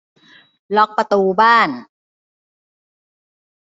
ล็อกประตูบ้าน